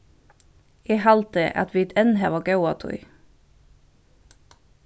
eg haldi at vit enn hava góða tíð